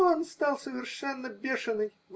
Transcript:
-- Он стал совершенно бешеный.